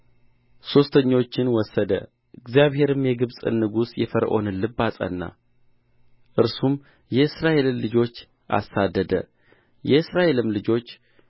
ሦስተኞችን ወሰደ እግዚአብሔርም የግብፅን ንጉሥ የፈርዖንን ልብ አጸና እርሱም የእስራኤልን ልጆች አሳደደ የእስራኤልም ልጆች